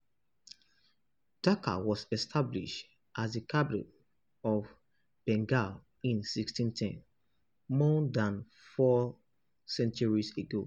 Dhaka was established as the capital of Bengal in 1610, more than four centuries ago.